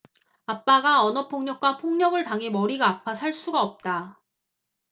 아빠가 언어폭력과 폭력을 당해 머리가 아파 살 수가 없다